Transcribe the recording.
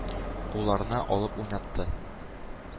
Кулларына алып уйнатты.